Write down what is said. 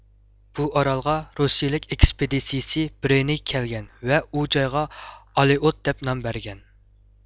بۇ ئاراللارغا رۇسىيىلىك ئىكىسپىدىتچى برېنگ كەلگەن ۋە ئۇ جايغا ئالېئوت دەپ نام بەرگەن